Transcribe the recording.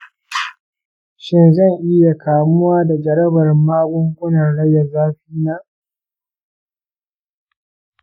shin zan iya kamuwa da jarabar magungunan rage zafi na?